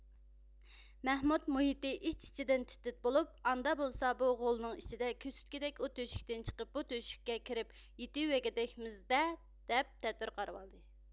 مەھمۇت مۇھىتى ئىچ ئىچىدىن تىت تىت بولۇپ ئاندا بولسا بۇ غولنىڭ ئىچىدە كۆسۆتكىدەك ئۇ تۆشۈكتىن چىقىپ بۇ تۆشۈككە كىرىپ يېتىۋەگۈدەكمىز دە دەپ تەتۈر قارىۋالدى